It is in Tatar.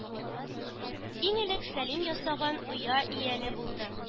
Иң элек Сәлим ясаган оя ияле булды.